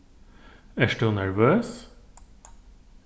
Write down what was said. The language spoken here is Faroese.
ert tú nervøs